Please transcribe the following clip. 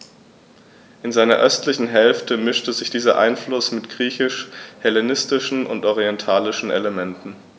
In seiner östlichen Hälfte mischte sich dieser Einfluss mit griechisch-hellenistischen und orientalischen Elementen.